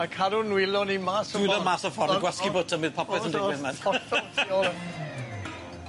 A a cadw'n nwylo ni mas o ffor. Dwylo mas o'r ffor gwasgu bwtwm bydd popeth yn digwydd 'ma. Hollol.